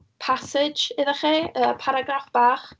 Passage idda chi, yy, paragraff bach.